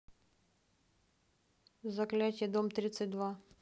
заклятье дом тридцать два